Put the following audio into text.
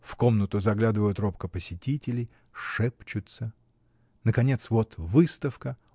В комнату заглядывают робко посетители, шепчутся. Наконец, вот выставка.